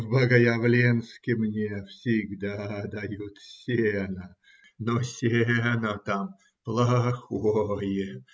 В Богоявленске мне всегда дают сена, но сено там плохое.